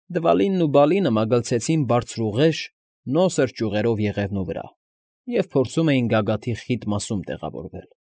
Դվալինն ու Բալինը մագլցեցին բարձրուղեշ, նոսր ճյուղերով եղևնու վրա և փորձում էին գագաթի խիտ մասում տեղավորվել։